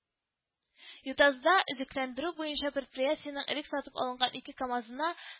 Ютазыда өзекләндерү буенча предприятиенең элек сатып алынган ике “КамАЗына